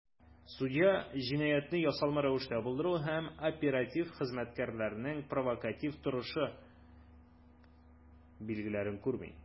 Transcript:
Судья "җинаятьне ясалма рәвештә булдыру" һәм "оператив хезмәткәрләрнең провокатив торышы" билгеләрен күрми.